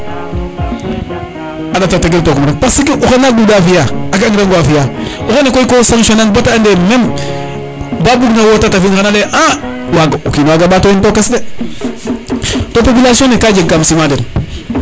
a ndata tegel tokum rek parce que oxe na gunda fiya a ga a ngirango a fiya o xene koy ko sanction ne an bata ande meme ba bug na wota fi in xana leye a o kina waga mbato yen tokes de to population ne ka jeg kam sima den